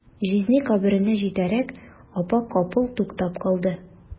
Җизни каберенә җитәрәк, апа капыл туктап калды.